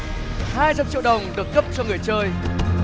hai trăm triệu đồng được cấp cho người chơi